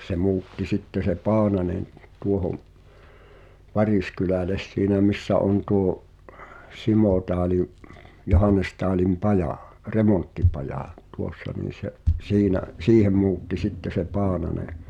se muutti sitten se Paananen tuohon Variskylälle siinä missä on tuo Simotaalin Johanestaalin paja remonttipaja tuossa niin se siinä siihen muutti sitten se Paananen